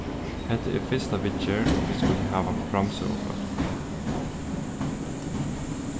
hetta er fyrsta viðgerð og vit skulu hava framsøgufólk